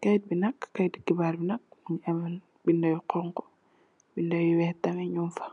kaiiti bi nak kaiiti xibarr la bu am binda yu xonxu binda yu wekh tamit mungfa.